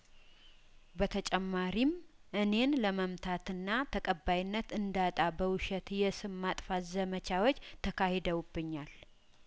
በተጨማሪም እኔን ለመምታትና ተቀባይነት እንዳጣ በውሸት የስም ማጥፋት ዘመቻዎች ተካሂደውብኛል